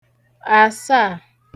àsaà